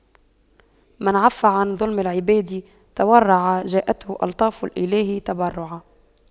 من عَفَّ عن ظلم العباد تورعا جاءته ألطاف الإله تبرعا